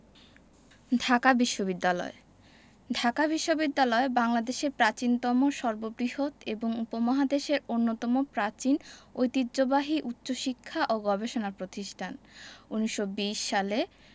ধাকা বিশ্ববিদ্যালয় ধাকা বিশ্ববিদ্যালয় বাংলাদেশের প্রাচীনতম সর্ববৃহৎ এবং উপমহাদেশের অন্যতম প্রাচীন ঐতিহ্যবাহী উচ্চশিক্ষা ও গবেষণা প্রতিষ্ঠান ১৯২০ সালে